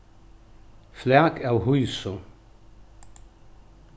flak av hýsu